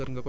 ok